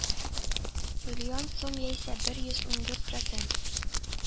Миллион сум яисә бер йөз ун дүрт процент